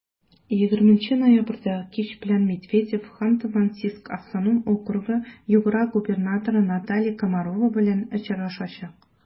20 ноябрьдә кич белән медведев ханты-мансийск автоном округы-югра губернаторы наталья комарова белән очрашачак.